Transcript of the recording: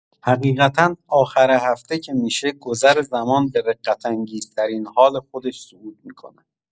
حقیقتا آخر هفته که می‌شه گذر زمان به رقت‌انگیزترین حال خودش صعود می‌کنه.